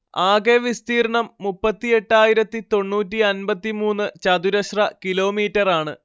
ആകെ വിസ്തീർണ്ണം മുപ്പത്തിയെട്ടായിരത്തി തൊണ്ണൂറ്റി അൻപത്തിമൂന്ന്‌ ചതുരശ്ര കിലോമീറ്ററാണ്